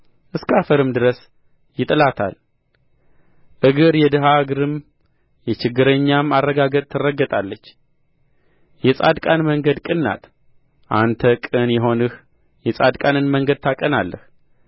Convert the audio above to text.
እስከ አፈርም ድረስ ይጥላታል እግር የድሀ እግርም የችግረኛም አረጋገጥ ትረግጣታለች የጻድቃን መንገድ ቅን ናት አንተ ቅን የሆንህ የጻድቃንን መንገድ ታቃናለህ